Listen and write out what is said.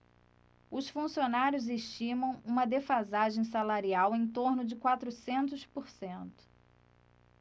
os funcionários estimam uma defasagem salarial em torno de quatrocentos por cento